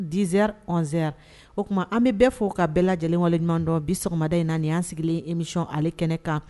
Z o tuma an bɛ bɛ fɔ ka bɛɛ lajɛlen walelen nɔntɔn bi sɔgɔmada in na nin an sigilen emi nisɔn ale kɛnɛ kan